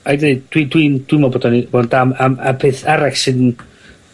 A dwi, dwi dwi'n, dwi'n me'wl bod o'n i fod am am y peth arall sydd 'n